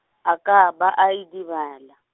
a ka ba a idibala.